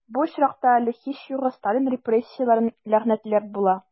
Бу очракта әле, һич югы, Сталин репрессияләрен ләгънәтләп була...